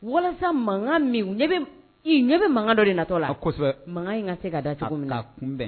Walasa mankan min ɲɛ bɛ mankan dɔ de natɔ la makan in ka se ka da min kunbɛn